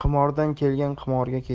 qimordan kelgan qimorga ketar